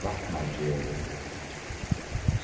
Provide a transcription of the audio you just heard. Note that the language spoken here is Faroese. flatnagerði